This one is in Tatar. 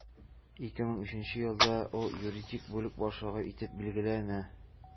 2003 елда ул юридик бүлек башлыгы итеп билгеләнә.